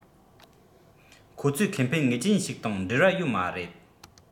ཁོ ཚོའི ཁེ ཕན ངེས ཅན ཞིག དང འབྲེལ བ ཡོད མ རེད